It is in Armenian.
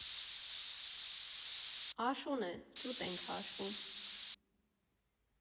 Աշուն է, ճուտ ենք հաշվում։